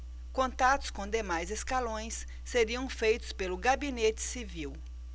contatos com demais escalões seriam feitos pelo gabinete civil